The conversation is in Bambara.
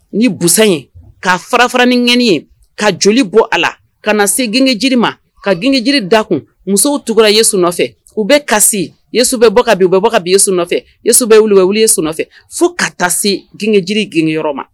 Ni busan in'a fara fara niɛni ye ka joli bɔ a la ka na se gine jiri ma ka g jiri da kun musow tugula ye su nɔfɛ u bɛ kasisobɛ bɔ bɔ bɔ ka binye su nɔfɛsobɛ wulu wuliye nɔfɛ fo ka taa se gin jiri gi yɔrɔ ma